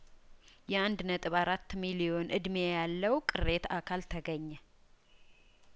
የአንድ ነጥብ አራት ሚሊዮን እድሜ ያለው ቅሬተ አካል ተገኘ